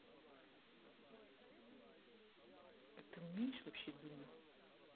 а ты умеешь вообще думать